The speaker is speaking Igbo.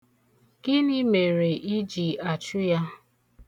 Gịnị mere ị ji achụ ya?